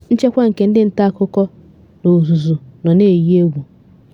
Nchekwa nke ndị nta akụkọ, n'ozuzu, nọ n'eyi egwu.